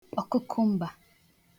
ọ̀kụ̀kụ̀mbà